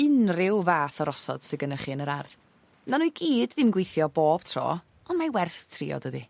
unryw fath o rosod sy gynnoch chi yn yr ardd. Nawn n'w i gyd ddim gweithio bob tro ond mae werth trio dydi?